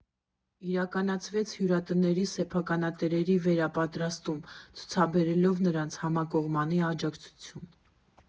Իրականացվեց հյուրատների սեփականատերերի վերապատրաստում՝ ցուցաբերելով նրանց համակողմանի աջակցություն։